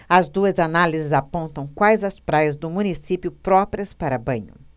as duas análises apontam quais as praias do município próprias para banho